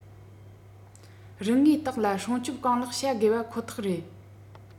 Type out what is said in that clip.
རིག དངོས དག ལ སྲུང སྐྱོབ གང ལེགས བྱ དགོས པ ཁོ ཐག རེད